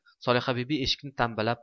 solihabibi eshikni tambalab